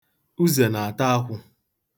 Uze na-ata akwụ.